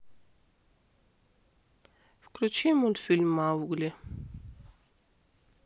включи мультфильм маугли